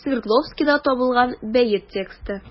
Свердловскида табылган бәет тексты.